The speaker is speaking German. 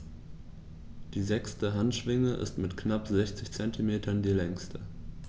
Die sechste Handschwinge ist mit knapp 60 cm die längste.